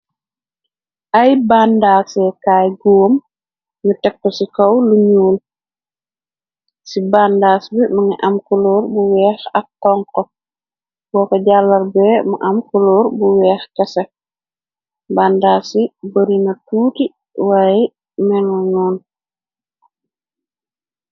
ay bandaa se kaay goom ñu tekp ci kaw luñuul ci bàndaas bi manga am kuloor bu weex ak tonko booko jallarbe mu am kulóor bu weex kese bandaa ci bari na tuuti waaye mena ñoon